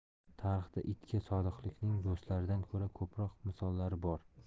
tarixda itga sodiqlikning do'stlaridan ko'ra ko'proq misollari bor